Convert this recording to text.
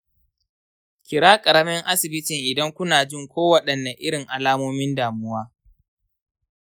kira ƙaramin asibitin idan ku na jin kowaɗanne irin alamomin damuwa.